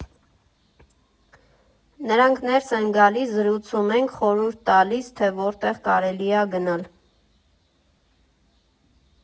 Նրանք ներս են գալիս, զրուցում ենք, խորհուրդ տալիս, թե որտեղ կարելի ա գնալ։